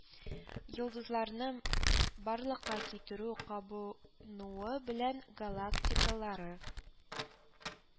Йолдызларны барлыкка китерү кабы нуы белән галактикалары